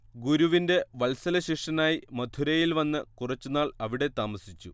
ഗുരുവിന്റെ വത്സലശിഷ്യനായി മധുരയിൽ വന്ന് കുറച്ചുനാൾ അവിടെ താമസിച്ചു